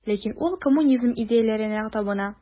Ләкин ул коммунизм идеяләренә табына.